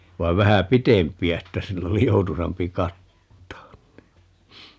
vaan vähän pitempiä että sillä oli joutuisampi kattaa niin